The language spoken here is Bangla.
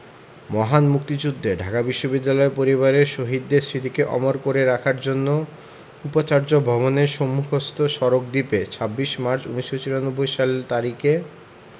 মহান মুক্তিযুদ্ধে ঢাকা বিশ্ববিদ্যালয় পরিবারের শহীদদের স্মৃতিকে অমর করে রাখার জন্য উপাচার্য ভবনের সম্মুখস্থ সড়ক দ্বীপে ২৬ মার্চ ১৯৯৪ তারিখে